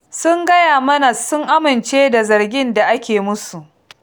Sun gaya mana sun amince da zargin da ake musu.